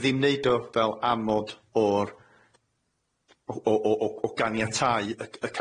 ddim neud o fel amod o'r o- o- o- o ganiatáu y c- cais